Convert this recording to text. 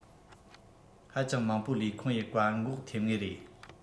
ཧ ཅང མང པོ ལས ཁུང ཡི བཀག འགོག ཐེབས ངེས རེད